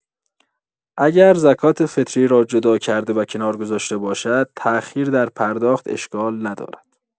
اگر زکات فطریه را جدا کرده و کنار گذاشته باشد، تاخیر در پرداخت اشکال ندارد.